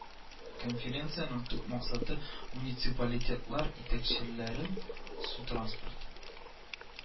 Конференциянең төп максаты муниципалитетлар итәкчеләрен су транспорты